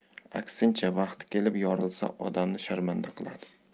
aksincha vaqti kelib yorilsa odamni sharmanda qiladi